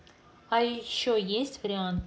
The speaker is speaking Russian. а еще есть варианты